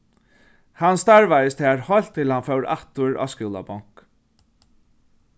hann starvaðist har heilt til hann fór aftur á skúlabonk